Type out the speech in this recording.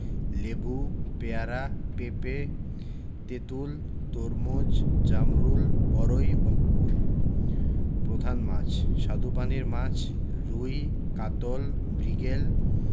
লেবু পেয়ারা পেঁপে তেঁতুল তরমুজ জামরুল বরই বা কুল প্রধান মাছঃ স্বাদুপানির মাছ রুই কাতল মৃগেল